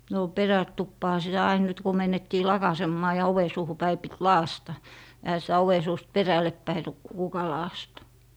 no perätupaanhan sitä aina nyt kun - mentiin lakaisemaan ja oven suuhun päin piti lakaista eihän sitä oven suusta perällepäin - kuka lakaista